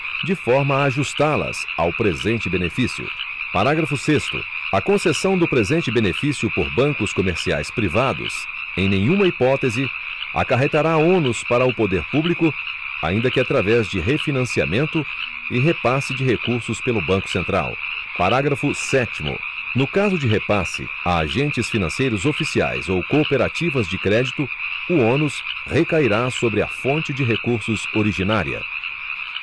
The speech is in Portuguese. de forma a ajustá las ao presente benefício parágrafo sexto a concessão do presente benefício por bancos comerciais privados em nenhuma hipótese acarretará ônus para o poder público ainda que através de refinanciamento e repasse de recursos pelo banco central parágrafo sétimo no caso de repasse a agentes financeiros oficiais ou cooperativas de crédito o ônus recairá sobre a fonte de recursos originária